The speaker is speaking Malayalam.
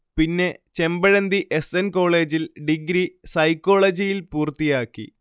പിന്നെ, ചെമ്പഴന്തി എസ്. എൻ. കോളേജിൽ ഡിഗ്രി സൈക്കോളജിയിൽ പൂർത്തിയാക്കി